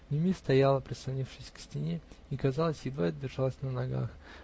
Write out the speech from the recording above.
Мими стояла, прислонившись к стене, и казалось, едва держалась на ногах